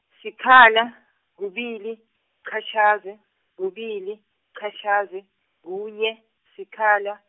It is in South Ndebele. sikhala, kubili, -qatjhazi, kubili, -qatjhazi, kunye, sikhala.